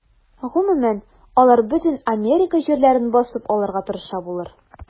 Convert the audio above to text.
Гомумән, алар бөтен Америка җирләрен басып алырга тырыша булыр.